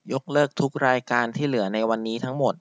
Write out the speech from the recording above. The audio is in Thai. ยกเลิกทุกรายการที่เหลือในวันนี้ทั้งหมด